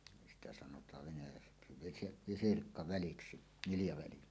sitä sanotaan venäjäksi - visirkkaväliksi niljaväli